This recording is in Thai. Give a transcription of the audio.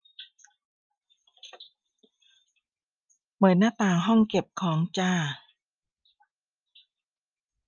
เปิดหน้าต่างห้องเก็บของจ้า